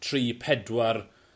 tri pedwar